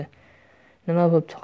nima bo'pti